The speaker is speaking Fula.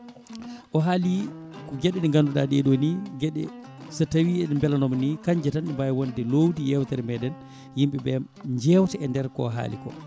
o haali ko gueɗe ɗe ganduɗa ɗeɗo nigueɗe so tawi en beelanoma ni kanƴe tan ne mbawi wonde lowdi yewtere meɗen yimɓeɓe jewta e nder ko haali ko